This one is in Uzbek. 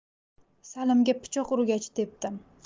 salimga pichok urgach tepdim